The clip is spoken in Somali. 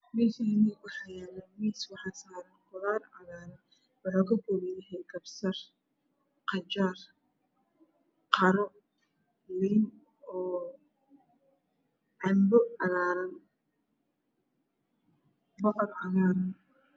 Meshani waxayslo mis waxa saran qudar cagaran waxow kakoban yahay kabsar qajar qaro liin oo cambo cagaran bocor cagarn